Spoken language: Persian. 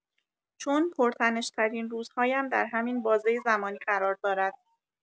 چون پرتنش‌ترین روزهایم در همین بازه زمانی قرار دارد.